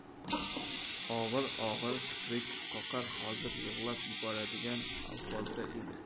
og'ir og'ir kiprik qoqar hozir yig'lab yuboradigan alpozda edi